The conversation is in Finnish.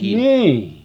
niin